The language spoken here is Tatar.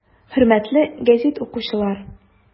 Хөрмәтле гәзит укучылар!